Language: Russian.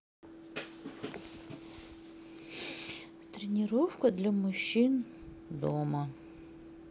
тренировка для мужчин дома